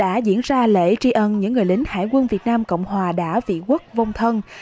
đã diễn ra lễ tri ân những người lính hải quân việt nam cộng hòa đã vị quốc vong thân